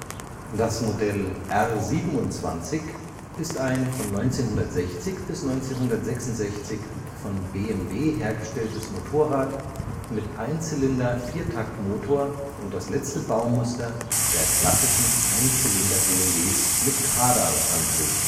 Das Modell R 27 ist ein von 1960 bis 1966 von BMW hergestelltes Motorrad mit Einzylinder-Viertaktmotor und das letzte Baumuster der klassischen Einzylinder-BMWs mit Kardanantrieb